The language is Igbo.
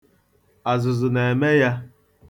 Azụzụ na-eme ya.